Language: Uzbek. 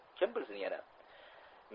kim bilsin yana